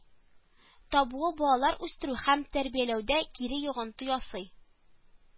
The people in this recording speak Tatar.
Табуы балалар үстерү һәм тәрбияләүдә кире йогынты ясый